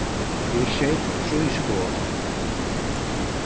eg skeyt trý skot